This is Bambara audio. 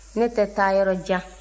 ne tɛ taa yɔrɔ jan